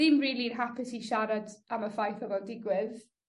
dim rili'n hapus i siarad am y ffaith o'dd o'n digwydd